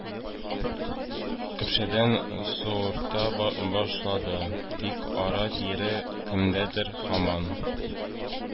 Көпшәдән суырта башлады, тик ара-тирә кемдер һаман